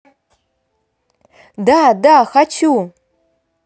да да хочу